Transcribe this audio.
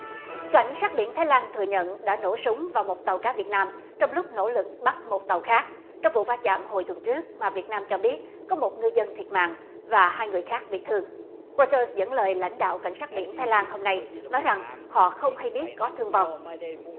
cảnh sát biển thái lan thừa nhận đã nổ súng vào một tàu cá việt nam trong lúc nỗ lực bắt một tàu khác trong vụ va chạm hồi tuần trước mà việt nam cho biết có một ngư dân thiệt mạng và hai người khác bị thương reuters dẫn lời lãnh đạo cảnh sát biển thái lan hôm nay nói rằng họ không hay biết có thương vong